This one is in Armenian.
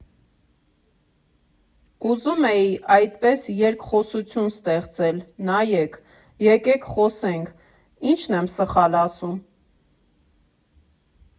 Ուզում էի այդպես երկխոսություն ստեղծել՝ նայեք, եկեք խոսենք, ի՞նչն եմ սխալ ասում։